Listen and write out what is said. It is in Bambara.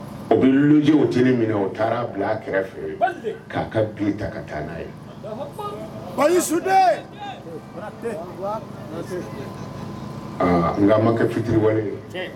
O bɛ lujw ti minɛ u taara bila a kɛrɛfɛ fɛ k'a ka du ta ka taa n'a ye su n an ma kɛ fitiriwale ye